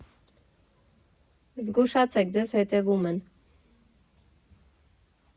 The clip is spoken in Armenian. Զգուշացե՛ք, ձեզ հետևում են։